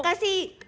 can xi